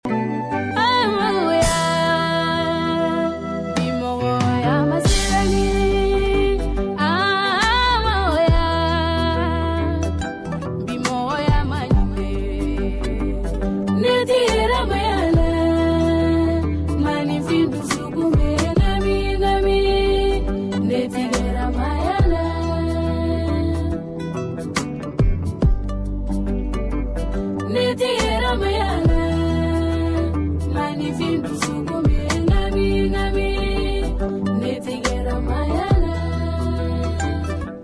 Goya sabagoba le tileliti bɛ le 2fin letigɛ lelitigi bɛ le 2di letigi le